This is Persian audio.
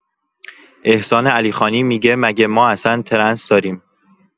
احسان علی خانی می‌گه مگه ما اصن ترنس داریم؟